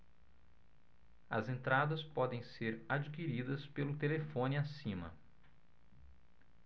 as entradas podem ser adquiridas pelo telefone acima